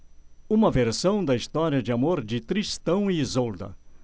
uma versão da história de amor de tristão e isolda